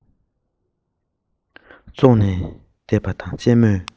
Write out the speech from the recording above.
ཙོག ནས བསྡད པ དང གཅེན མོས